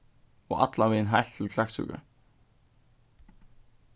og allan vegin heilt til klaksvíkar